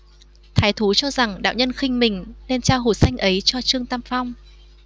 thái thú cho rằng đạo nhân khinh mình nên trao hột xanh ấy cho trương tam phong